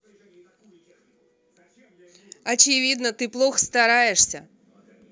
очевидно ты плохо стараешься